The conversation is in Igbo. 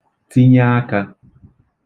tinye akā